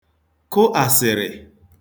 kụ àsị̀rị̀